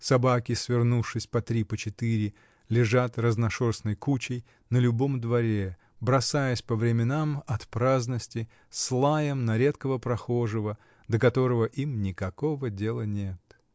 Собаки, свернувшись по три, по четыре, лежат разношерстной кучей на любом дворе, бросаясь по временам, от праздности, с лаем на редкого прохожего, до которого им никакого дела нет.